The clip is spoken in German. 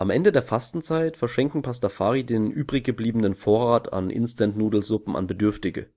Ende der Fastenzeit verschenken Pastafari den übriggebliebenen Vorrat an Instant-Nudelsuppe an Bedürftige